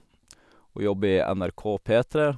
Hun jobber i NRK P3.